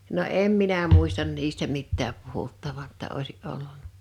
no en minä muista niistä mitään puhuttavan jotta olisi ollut